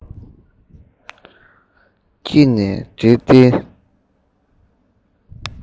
གྲིལ ཏེ བྲང ཁར འཛག གིན